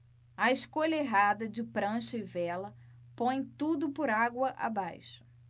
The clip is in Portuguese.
a escolha errada de prancha e vela põe tudo por água abaixo